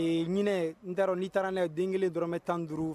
Ee ɲininɛ n taara n taara n' den kelen dɔrɔnmɛ tan duuru